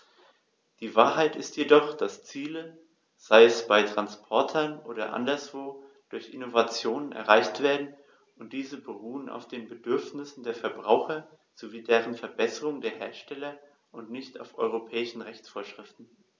Die Wahrheit ist jedoch, dass Ziele, sei es bei Transportern oder woanders, durch Innovationen erreicht werden, und diese beruhen auf den Bedürfnissen der Verbraucher sowie den Verbesserungen der Hersteller und nicht nur auf europäischen Rechtsvorschriften.